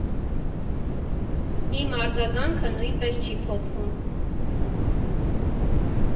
Իմ արձագանքը նույնպես չի փոխվում.